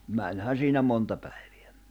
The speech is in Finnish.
menihän siinä monta päivää